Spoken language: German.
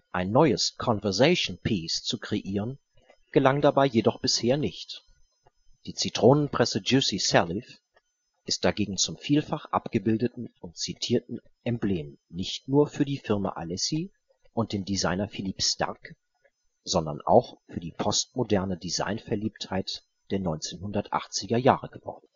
Ein neues conversation piece zu kreieren, gelang dabei jedoch bisher nicht. Die Zitronenpresse Juicy Salif ist dagegen zum vielfach abgebildeten und zitierten Emblem nicht nur für die Firma Alessi und den Designer Philippe Starck, sondern auch für die postmoderne Designverliebtheit der 1980er Jahre geworden